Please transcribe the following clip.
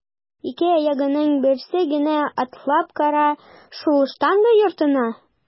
Ике аягыңның берсен генә атлап кара шул штанга йортына!